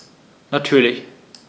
Natürlich.